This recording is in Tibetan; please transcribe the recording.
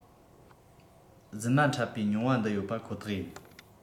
རྫུན མ འཕྲད པའི མྱོང བ འདི ཡོད པ ཁོ ཐག ཡིན